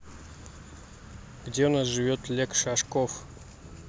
где у нас живет лег шашков